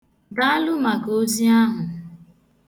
Daalụ maka ozi ahụ.